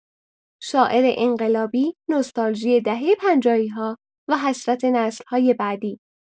شاعر انقلابی، نوستالژی دهه پنجاهی‌ها و حسرت نسل‌های بعدی.